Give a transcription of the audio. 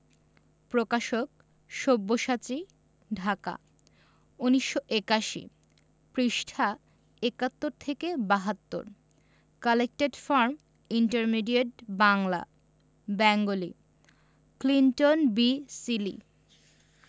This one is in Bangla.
প্রকাশকঃ সব্যসাচী ঢাকা ১৯৮১ পৃষ্ঠাঃ ৭১ থেকে ৭২ collected from intermediate Bangla Bengali Clinton B Seely